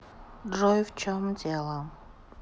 джой в чем дело